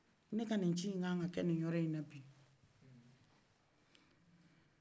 ne ka ni ci kanɲi ka kɛ ni yɔrɔɲi na bi